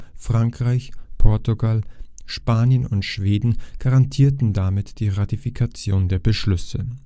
Frankreich, Portugal, Spanien und Schweden garantierten damit die Ratifikation der Beschlüsse